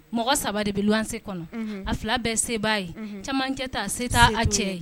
Mɔgɔ 3 de bɛ luwanse kɔnɔ, unhun, a 2 bɛɛ se b'a ye camancɛ ta se t'a a cɛ ye